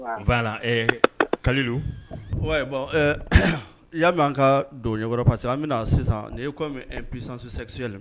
' kalilu i y'a mɛn an ka donso wɛrɛ pa que an bɛna na sisan nip sɛsi